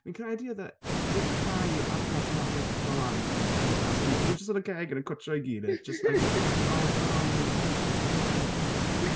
Fi'n credu oedd e... ife Kye a'r person wnaeth e cyplo lan mewn gyda yn Casa Amor... o' nhw jyst yn y gegin yn cwtsho'i gilydd jyst yn "Oh guys, honestly guys, oh no."